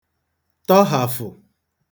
tọhàfụ̀